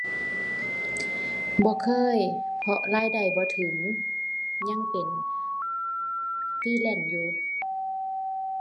บ่เคย เพราะรายได้บ่ถึงยังเป็น freelance อยู่